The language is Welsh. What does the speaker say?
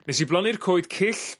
Nes i blannu'r coed cyll